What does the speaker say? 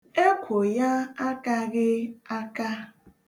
Ekwo ya akaghị aka.